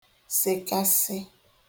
sekasị